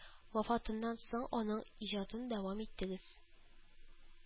Вафатыннан соң аның иҗатын дәвам иттегез